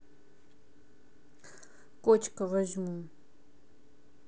котика возьму